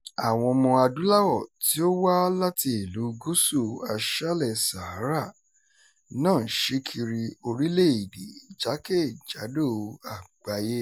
Awọn ọmọ-adúláwọ̀ tí ó wá láti Ìlú Gúúsù Aṣálẹ̀ Sahara náà ń ṣí kiri orílẹ̀-èdè jákèjádò àgbáyé.